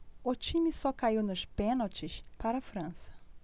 o time só caiu nos pênaltis para a frança